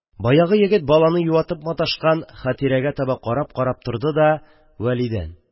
Баягы егет баланы юатып маташкан Хәтирәгә таба карап-карап торды да, Вәлидән: